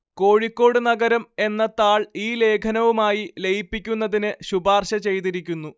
കോഴിക്കോട് നഗരം എന്ന താൾ ഈ ലേഖനവുമായി ലയിപ്പിക്കുന്നതിന് ശുപാർശ ചെയ്തിരിക്കുന്നു